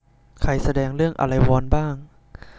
ใครแสดงเรื่องอะไรวอลบ้าง